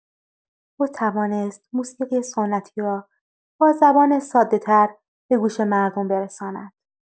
او توانست موسیقی سنتی را با زبان ساده‌‌تر به گوش مردم برساند.